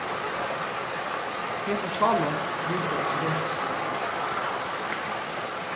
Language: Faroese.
hesi hjálond vita ikki betur